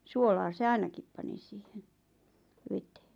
suolaa se ainakin pani siihen veteen